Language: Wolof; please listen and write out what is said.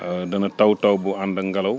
dana taw taw bu ànda ak ngelaw